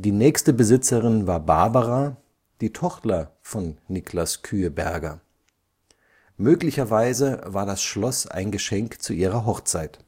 nächste Besitzerin war Barbara, die Tochter von Niclas Khüeberger. Möglicherweise war das Schloss ein Geschenk zu ihrer Hochzeit